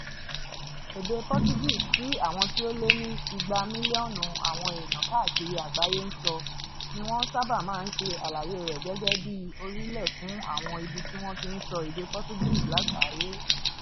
Èdè Portuguese, tí àwọn tí ó lé ní 200 mílíọ̀nù àwọn èèyàn káàkiri àgbáyé ń sọ, ní wọ́n sábà máa ń ṣe àlàyé rẹ̀ gẹ́gẹ́ bíi "orílẹ̀" fún àwọn ibi tí wọ́n ti ń sọ èdè Portuguese lágbàáyé.